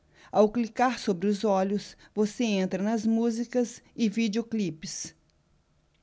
ao clicar sobre os olhos você entra nas músicas e videoclipes